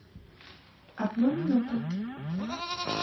одну минуту